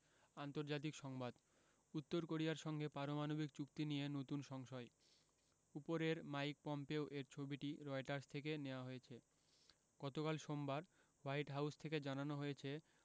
আন্তর্জাতিক সংবাদ উত্তর কোরিয়ার সঙ্গে পারমাণবিক চুক্তি নিয়ে নতুন সংশয় উপরের মাইক পম্পেও এর ছবিটি রয়টার্স থেকে নেয়া হয়েছে গতকাল সোমবার হোয়াইট হাউস থেকে জানানো হয়েছে